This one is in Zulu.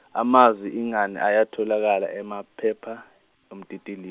amazwi ingani ayatholakala amaphepha umtitili-.